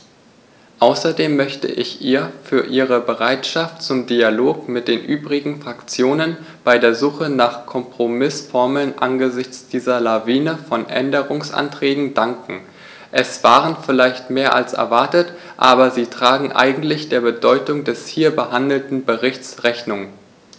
Außerdem möchte ich ihr für ihre Bereitschaft zum Dialog mit den übrigen Fraktionen bei der Suche nach Kompromißformeln angesichts dieser Lawine von Änderungsanträgen danken; es waren vielleicht mehr als erwartet, aber sie tragen eigentlich der Bedeutung des hier behandelten Berichts Rechnung.